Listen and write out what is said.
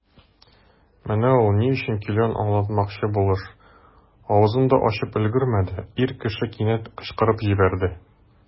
Менә ул, ни өчен килүен аңлатмакчы булыш, авызын да ачып өлгермәде, ир кеше кинәт кычкырып җибәрде.